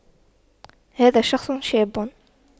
هذا الشخص شاب